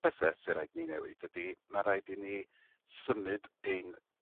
pethe sy raid ni newid ydi ma' raid i ni symud ein